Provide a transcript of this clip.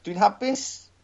Dwi'n hapus